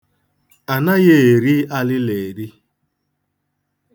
Anaghị eri alịla eri.